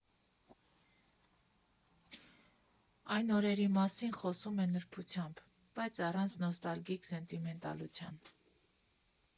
Այն օրերի մասին խոսում է նրբությամբ, բայց առանց նոստալգիկ սենտիմենտալության.